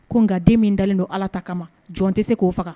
Ko n nka den min dalen don ala ta kama jɔn tɛ se k'o faga